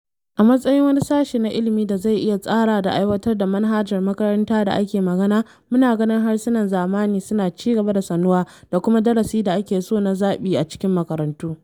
A matsayin wani sashe na ilmi da zai iya tsara da aiwatar da manhajar makaranta da ake magana, muna ganin harsunan zamani suna ci gaba da da sanuwa da kuma darasi da ake so na zabi a cikin makarantu.